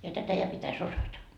ja tätä ja pitäisi osata